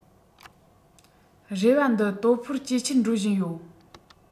རེ བ འདི ལྟོ ཕོར ཇེ ཆེར འགྲོ བཞིན ཡོད